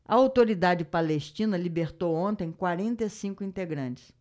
a autoridade palestina libertou ontem quarenta e cinco integrantes